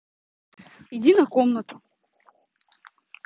иди на комнату